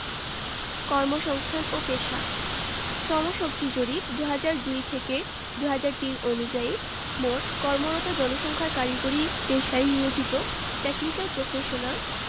কর্মসংস্থান ও পেশাঃ শ্রমশক্তি জরিপ ২০০২ থেকে ২০০৩ অনুযায়ী মোট কর্মরত জনসংখ্যার কারিগরি পেশায় নিয়োজিত টেকনিকাল প্রফেশনাল